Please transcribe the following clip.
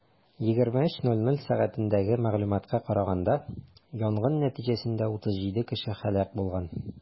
23:00 сәгатьтәге мәгълүматка караганда, янгын нәтиҗәсендә 37 кеше һәлак булган.